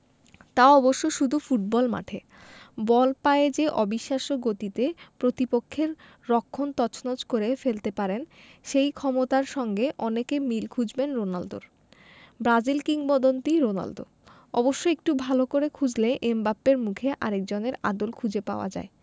তা অবশ্য শুধু ফুটবল মাঠে বল পায়ে যে অবিশ্বাস্য গতিতে প্রতিপক্ষের রক্ষণ তছনছ করে ফেলতে পারেন সেই ক্ষমতার সঙ্গে অনেকে মিল খুঁজবেন রোনালদোর ব্রাজিল কিংবদন্তি রোনালদো অবশ্য একটু ভালো করে খুঁজলে এমবাপ্পের মুখে আরেকজনের আদল খুঁজে পাওয়া যায়